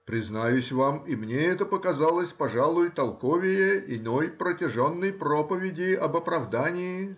— Признаюсь вам, и мне это показалось, пожалуй, толковее иной протяженной проповеди об оправдании.